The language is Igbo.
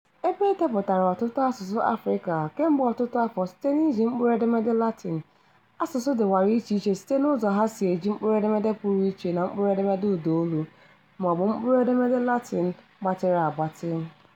Ebe e depụtara ọtụtụ asụsụ Afrịka kemgbe ọtụtụ afọ site n'iji mkpụrụedemede Latin, asụsụ dịwara icheiche site n’ụzọ ha si eji mkpụrụedemede pụrụ iche na mkpụrụedemede ụdaolu, maọbụ mkpụrụedemede Latin “gbatịrị agbatị”.